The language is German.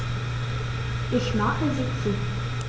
Ich mache sie zu.